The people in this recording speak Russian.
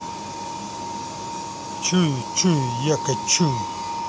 чую чую я кочую